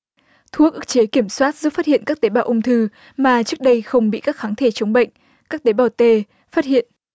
thuốc ức chế kiểm soát giúp phát hiện các tế bào ung thư mà trước đây không bị các kháng thể chống bệnh các tế bào tê phát hiện